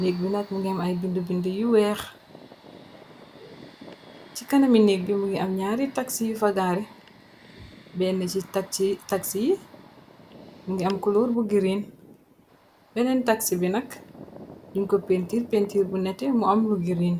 néeg bi nat mu ngi am ay bindu-bind yi weex ci kana mi nég bi mu ngi am naari taxi yi fagaare benn ci taxsi yi mu ngi am kulóor bu giriin benneen taxi bi nak buñ ko pentiir péntiir bu nete mu am lu giriin.